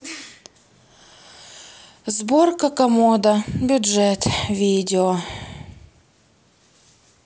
сборка комода бюджет видео